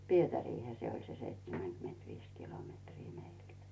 Pietariinhan se oli se seitsemänkymmentäviisi kilometriä meiltä